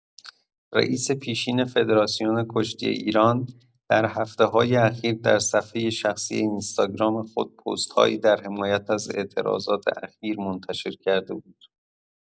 رئیس پیشین فدراسیون کشتی ایران در هفته‌های اخیر در صفحه شخصی اینستاگرام خود پست‌هایی در حمایت از اعتراضات اخیر منتشر کرده بود.